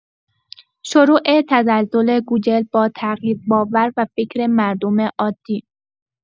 شروع تزلزل گوگل با تغییر باور و فکر مردم عادی